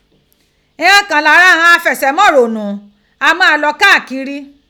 Ighan kan lára ighan afìṣemọ̀rònú a máa lọ káàkiri.